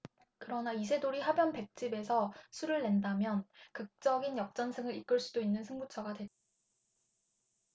그러나 이세돌이 하변 백집에서 수를 낸다면 극적인 역전승을 이끌 수도 있는 승부처가 됐다